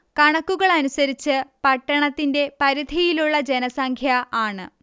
കണക്കുകളനുസരിച്ച് പട്ടണത്തിൻറെ പരിധിയിലുള്ള ജനസംഖ്യ ആണ്